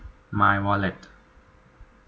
มายวอลเล็ต